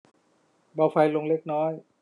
เบาไฟลงเล็กน้อย